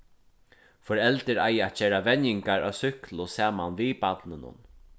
foreldur eiga at gera venjingar á súkklu saman við barninum